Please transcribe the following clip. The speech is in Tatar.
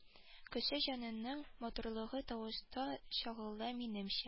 Кеше җанының матурлыгы тавышта чагыла минемчә